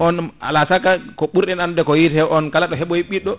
on ala sakka ko ɓurɗen andude ko yiyate on kala ɗo heeɓoyi ɓidɗo